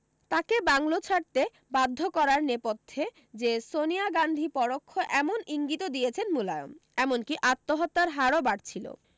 তাঁকে বাংলো ছাড়তে বাধ্য করার নেপথ্যে যে সনিয়া গান্ধী পরোক্ষে এমন ইঙ্গিতও দিয়েছেন মুলায়ম এমনকি আত্মহত্যার হারও বাড়ছিল